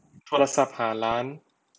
โทรศัพท์หาร้าน